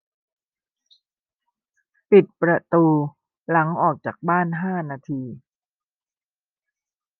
ปิดประตูหลังออกจากบ้านห้านาที